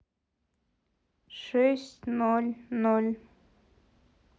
шесть ноль ноль